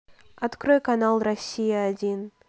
открой канал россия один